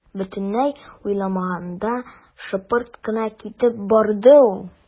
Бөтенләй уйламаганда шыпырт кына китеп барды ул.